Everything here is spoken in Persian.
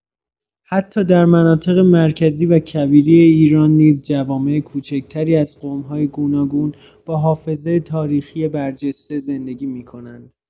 حتی در مناطق مرکزی و کویری ایران نیز جوامع کوچک‌تری از قوم‌های گوناگون با حافظه تاریخی برجسته زندگی می‌کنند.